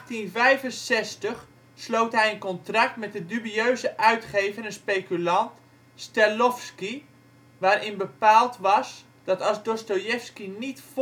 1865 sloot hij een contract met de dubieuze uitgever en speculant Stellovski, waarin bepaald was dat als Dostojevski niet